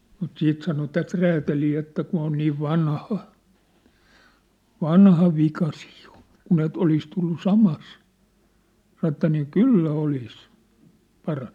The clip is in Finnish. mutta sitten sanoi tätä räätäliä että kun on niin vanha vanha vika siinä jo kun että olisi tullut samassa sanoi että niin kyllä olisi parantunut